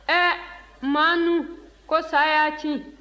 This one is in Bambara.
ɛɛ maanu ko sa y'a cin